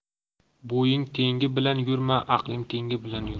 bo'ying tengi bilan yurma aqling tengi bilan yur